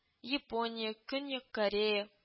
Япония, Көньяк Корея